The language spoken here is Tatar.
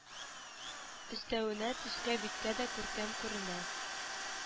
Өстәвенә төскә-биткә дә күркәм күренә